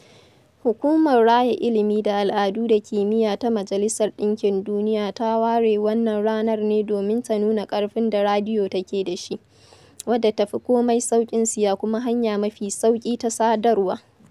Hukumar Raya Ilimi da Al'adu da Kimiyya Ta Majalisar ɗinkin Duniya ta ware wannan ranar ne domin ta nuna ƙarfin da radiyo take da shi, wadda ta fi komai sauƙin siya kuma hanya mafi sauƙi ta sadarwa.